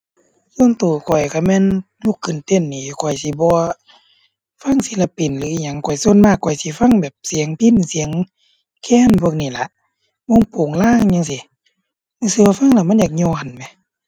ส่วนตัวข้อยตัวแม่นลุกขึ้นเต้นนี่ข้อยสิบ่ฟังศิลปินหรืออิหยัง ข้อยส่วนมากข้อยสิฟังแบบเสียงพิณ เสียงแคนพวกนี้ล่ะ วงโปงลางจั่งซี้ รู้สึกว่าฟังแล้วมันอยากย้อนแหม